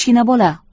kichkina bola